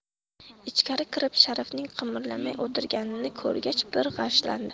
ichkari kirib sharifning qimirlamay o'tirganini ko'rgach bir g'ashlandi